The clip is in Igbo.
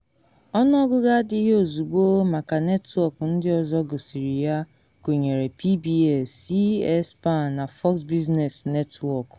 Ọnụọgụgụ adịghị ozugbo maka netwọk ndị ọzọ gosiri ya, gụnyere PBS, C-SPAN na Fox Business Network.